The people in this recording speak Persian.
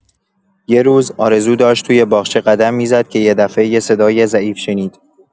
یه روز، آرزو داشت توی باغچه قدم می‌زد که یه دفعه یه صدای ضعیف شنید.